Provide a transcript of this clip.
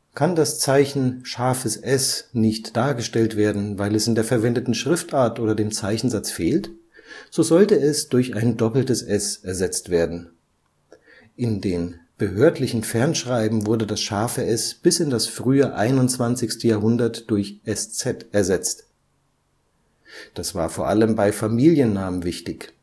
Kann das Zeichen „ ß “nicht dargestellt werden, weil es in der verwendeten Schriftart oder dem Zeichensatz fehlt, so sollte es durch „ ss “ersetzt werden (aus „ Straße “wird „ Strasse “). In den (behördlichen) Fernschreiben wurde das „ ß “bis in das frühe 21. Jahrhundert durch „ sz “ersetzt. Dies war unter anderem bei Familiennamen wichtig